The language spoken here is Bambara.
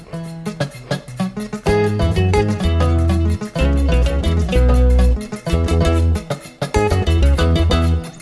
San